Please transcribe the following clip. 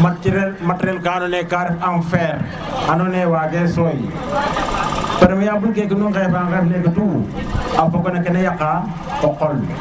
materiel ka ando na ye ka ref en fer ando na ye wage sooy permeable keke nu ngefa ngef neke tout a foga no ke na yaqa o qol